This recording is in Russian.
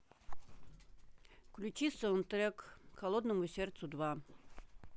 включи саундтрек к холодному сердцу два